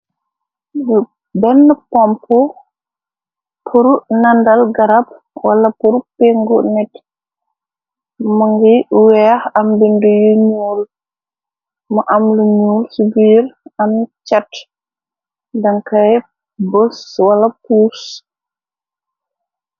Benne pompu pur nandal garab, wala pur pengu nit, mingi weex am binde yu ñuul, mu am lu ñuul si biir, am cat, dankay baas wala pus.